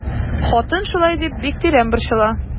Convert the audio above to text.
Хатын шулай дип бик тирән борчыла.